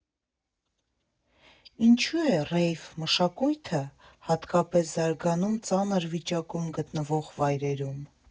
Ինչու է ռեյվ մշակույթը հատկապես զարգանում ծանր վիճակում գտնվող վայրերում.